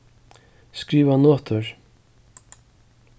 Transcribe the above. skriva notur